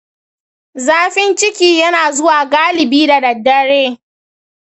zafin ciki yana zuwa galibi da dare.